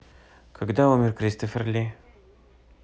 когда умер кристофер ли